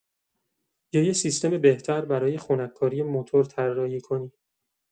یا یه سیستم بهتر برای خنک‌کاری موتور طراحی کنی.